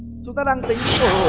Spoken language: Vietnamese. chúng ta đang tính